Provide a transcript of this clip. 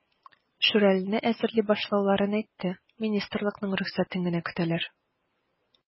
"шүрәле"не әзерли башлауларын әйтте, министрлыкның рөхсәтен генә көтәләр.